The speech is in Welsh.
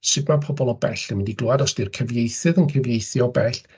Sut ma' pobl o bell yn mynd i glywed, os ydy'r cyfeithydd yn cyfeithu o bell?